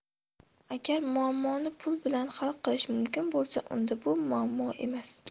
agar muammoni pul bilan hal qilish mumkin bo'lsa unda bu muammo emas